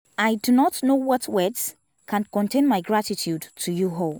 I do not know what words can contain my gratitude to you all.